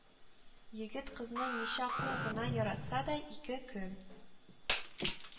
Егет кызны ничаклы гына яратса да, ике көн